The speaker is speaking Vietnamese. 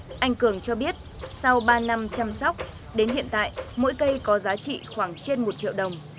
anh cường cho biết sau ba năm chăm sóc đến hiện tại mỗi cây có giá trị khoảng trên một triệu đồng